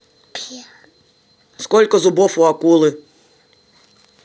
сколько зубов у акулы